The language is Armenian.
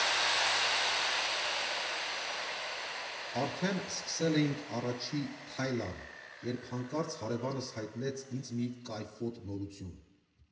Արդեն սկսել էինք առաջին թայլան, երբ հանկարծ հարևանս հայտնեց ինձ մի կայֆոտ նորություն։